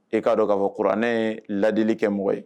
I k'a dɔn k'a fɔ kuranɛ yee ladili kɛ mɔgɔ ye